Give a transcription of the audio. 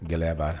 Gɛlɛyabaa